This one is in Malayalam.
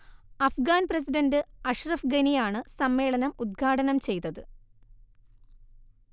അഫ്ഗാൻ പ്രസിഡന്റ് അഷ്റഫ് ഗനിയാണ് സമ്മേളനം ഉദ്ഘാടനം ചെയ്തത്